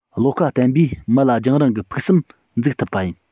བློ ཁ བརྟན པོས མི ལ རྒྱང རིང གི ཕུགས བསམ འཛུགས ཐུབ པ ཡིན